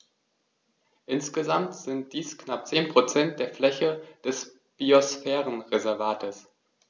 Insgesamt sind dies knapp 10 % der Fläche des Biosphärenreservates.